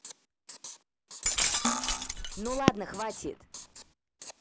ну ладно хватит